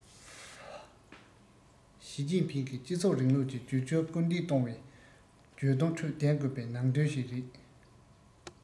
ཞིས ཅིན ཕིང གིས སྤྱི ཚོགས རིང ལུགས ཀྱི འགྱུར རྒྱུར སྐུལ འདེད གཏོང བའི བརྗོད དོན ཁྲོད ལྡན དགོས པའི ནང དོན ཞིག རེད